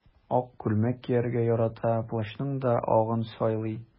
Ак күлмәк кияргә ярата, плащның да агын сайлый.